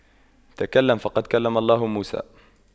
تكلم فقد كلم الله موسى